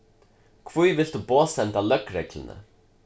hví vilt tú boðsenda løgregluni